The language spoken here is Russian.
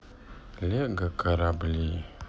лего корабли